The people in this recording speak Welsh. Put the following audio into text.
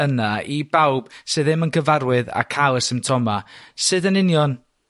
yna i bawb sydd ddim yn gyfarwydd â ca'l y symptoma, sud yn union